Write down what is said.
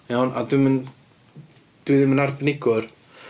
Iawn a dwi'm yn, dwi'm yn arbenigwr ...